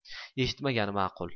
eshitmagani ma'qul